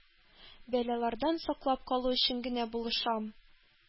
Бәлаләрдән саклап калу өчен генә булышам.